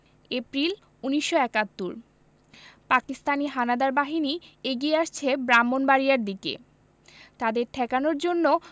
April ১৯৭১ Pakistani হানাদার বাহিনী এগিয়ে আসছে ব্রাহ্মনবাড়িয়ার দিকে তাদের ঠেকানোর জন্য